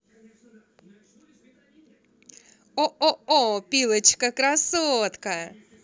ооо пилочка красотка